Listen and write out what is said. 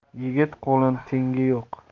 yigit qo'lin tengi yo'q